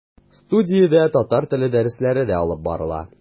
Студиядә татар теле дәресләре дә алып барыла.